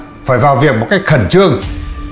phải vào việc một cách khẩn trương